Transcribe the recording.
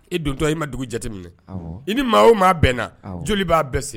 I dontɔ i ma dugu jate min i ni maa o maa bɛnna joli b'a bɛ se